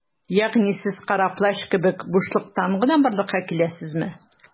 Ягъни сез Кара Плащ кебек - бушлыктан гына барлыкка киләсезме?